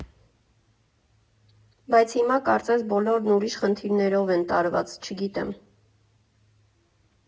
Բայց հիմա կարծես բոլորն ուրիշ խնդիրներով են տարված, չգիտեմ։